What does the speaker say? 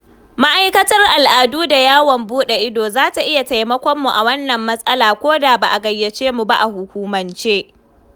Ma'aikatar Al'adu da Yawon Buɗe Ido za ta iya taimakon mu a wannan mas'ala ko da ba a gayyace mu ba a hukumance.